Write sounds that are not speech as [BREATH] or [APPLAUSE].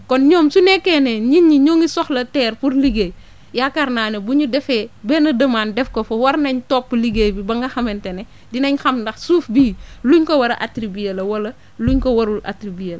kon ñoom su nekkee ne nit ñi ñoo ngi soxla terre pour liggéey [BREATH] yaakaar naa ne bu ñu defee benn demande def ko fa war nañ topp liggéey bi ba nga xamante ne dinañ xam ndax suuf bii [BREATH] luñ ko war a attribué la wala luñ [NOISE] ko warul attribué la